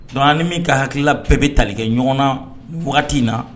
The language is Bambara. Donc ni min ka hakilila bɛɛ bɛ tali kɛ ɲɔgɔn na wagati in na